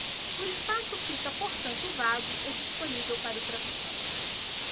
o espaço fica portanto vago e disponível para o traficante